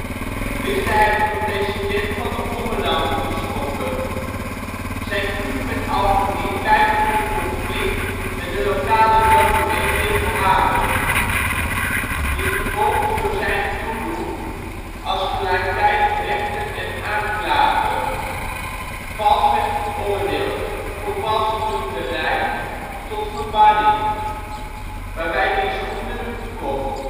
wist hij het tot president van De Ommelanden te schoppen. Zijn proeven met alchemie leidden tot een conflict met de lokale dominee Dirk Hamer (Didericus Hamerus), die vervolgens door zijn toedoen als gelijktijdig rechter en aanklager (!) vals werd veroordeeld voor valsemunterij tot verbanning, waarbij diens goederen verkocht